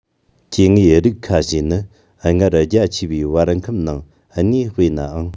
སྐྱེ དངོས རིགས ཁ ཤས ནི སྔར རྒྱ ཆེ བའི བར ཁམས ནང གནས སྤོས ནའང